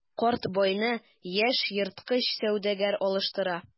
Карт байны яшь ерткыч сәүдәгәр алыштыра.